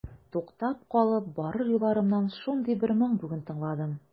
Туктап калып барыр юлларымнан шундый бер моң бүген тыңладым.